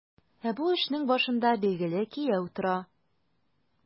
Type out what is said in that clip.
Ә бу эшнең башында, билгеле, кияү тора.